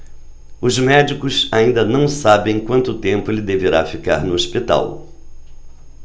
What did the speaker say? os médicos ainda não sabem quanto tempo ele deverá ficar no hospital